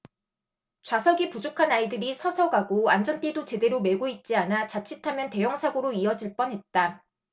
좌석이 부족한 아이들이 서서 가고 안전띠도 제대로 매고 있지 않아 자칫하면 대형사고로 이어질 뻔했다